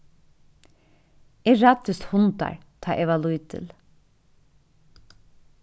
eg ræddist hundar tá eg var lítil